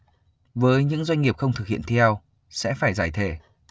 với những doanh nghiệp không thực hiện theo sẽ phải giải thể